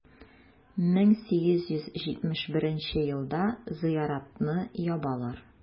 1871 елда зыяратны ябалар.